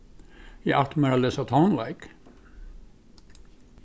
eg ætli mær at lesa tónleik